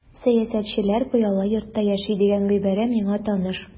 Сәясәтчеләр пыяла йортта яши дигән гыйбарә миңа таныш.